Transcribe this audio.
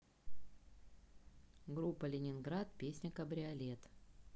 группа ленинград песня кабриолет